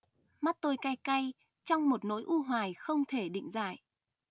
mắt tôi cay cay trong một nỗi u hoài không thể định giải